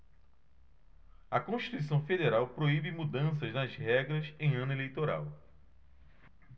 a constituição federal proíbe mudanças nas regras em ano eleitoral